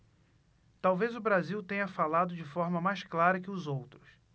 talvez o brasil tenha falado de forma mais clara que os outros